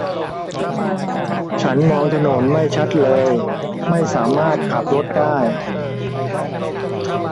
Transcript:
ฉันมองถนนไม่ชัดเลยไม่สามารถขับรถได้